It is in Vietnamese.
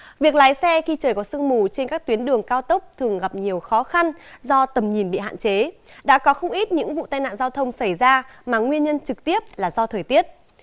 việc lái xe khi trời có sương mù trên các tuyến đường cao tốc thường gặp nhiều khó khăn do tầm nhìn bị hạn chế đã có không ít những vụ tai nạn giao thông xảy ra mà nguyên nhân trực tiếp là do thời tiết